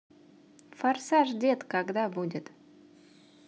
форсаж дед когда будет